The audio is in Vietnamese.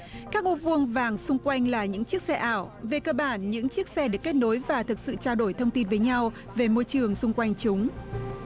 các ô vuông vàng xung quanh là những chiếc xe ảo về cơ bản những chiếc xe được kết nối và thực sự trao đổi thông tin với nhau về môi trường xung quanh chúng